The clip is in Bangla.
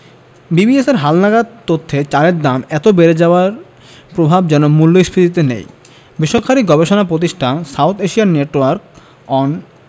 বিবিএসের হালনাগাদ তথ্যে চালের দাম এত বেড়ে যাওয়ার প্রভাব যেন মূল্যস্ফীতিতে নেই বেসরকারি গবেষণা প্রতিষ্ঠান সাউথ এশিয়ান নেটওয়ার্ক অন